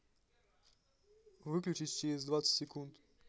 выключись через двадцать секунд